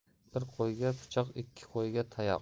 bir qo'yga pichoq ikki qo'yga tayoq